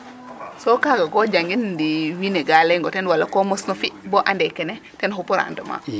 Soo kaaga ko jangin wala ndi wiin we ka layong o ten wala ko mos no fi' bo ande kene ten xupu rendement?